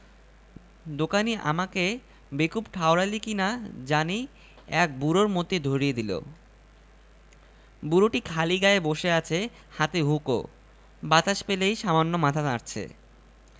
দোকানী অমিকে বেকুব ঠাওড়ালী কিনা জানি এক বুড়োর মতী ধরিয়ে দিল বুড়োটি খালি গায়ে বসে আছে হাতে হুঁকো বাতাস পেলেই সমানে মাথা নাড়ছে